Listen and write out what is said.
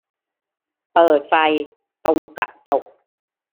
เปิดไฟตรงกระจก